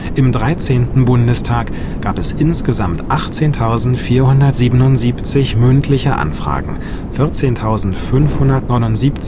Im 13. Bundestag gab es insgesamt 18.477 mündliche Anfragen, 14.579